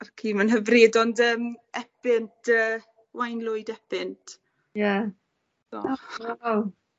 ma'r ci 'ma'n hyfryd ond yym Epynt yy Waun Lwyd Epynt. Ie. . Wel wel